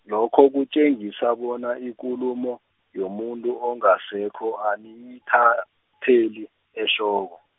lokho kutjengisa bona ikulumo, yomuntu ongasekho aniyithatheli ehloko.